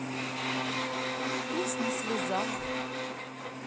песня слеза